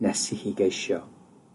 nes i chi geisio.